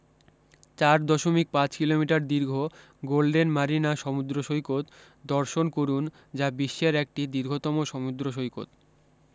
চার দশমিক পাঁচ কিলোমিটার দীর্ঘ গোল্ডেন মারিনা সমুদ্র সৈকত দর্শন করুণ যা বিশ্বের একটি দীর্ঘতম সমুদ্র সৈকত